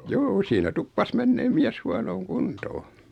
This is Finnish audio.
juu siinä tuppasi menemään mies huonoon kuntoon